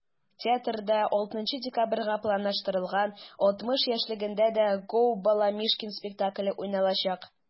Театрда 6 декабрьгә планлаштырылган 60 яшьлегендә дә “Gо!Баламишкин" спектакле уйналачак.